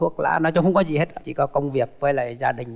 thuốc lá nói chung không có gì hết chỉ có công việc quay lại gia đình